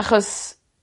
Achos